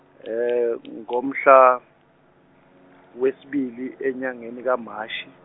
ngomhla, wesibili enyangeni kaMashi.